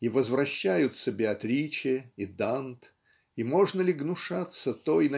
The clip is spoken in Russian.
и возвращаются Беатриче и Дант и можно ли гнушаться той